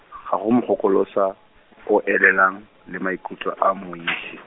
ga go mokgokolosa, o o elelang, le maikutlo a mmuisi.